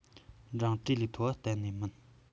འབྲིང གྲས ལས མཐོ བ གཏན ནས མིན